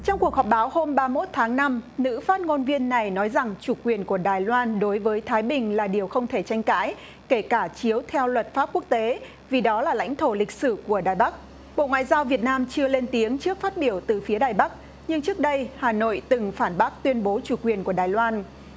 trong cuộc họp báo hôm ba mốt tháng năm nữ phát ngôn viên này nói rằng chủ quyền của đài loan đối với thái bình là điều không thể tranh cãi kể cả chiếu theo luật pháp quốc tế vì đó là lãnh thổ lịch sử của đài bắc bộ ngoại giao việt nam chưa lên tiếng trước phát biểu từ phía đài bắc nhưng trước đây hà nội từng phản bác tuyên bố chủ quyền của đài loan